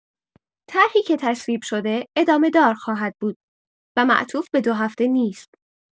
طرحی که تصویب شده ادامه‌دار خواهد بود و معطوف به ۲ هفته نیست.